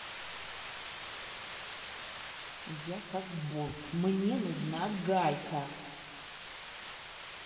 я как болт мне нужна гайка